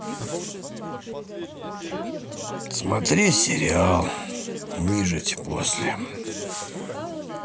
смотреть сериал выжить после